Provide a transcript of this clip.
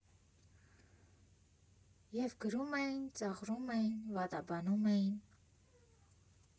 Եվ գրում էին, ծաղրում էին, վատաբանում էին։